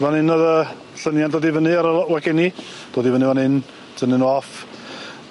Fan 'yn o'dd y llynia'n dod i fyny ar y wageni dod i fyny fan 'yn tynnu nw off